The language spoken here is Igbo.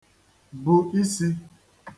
bù isī